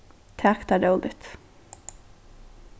tak tað róligt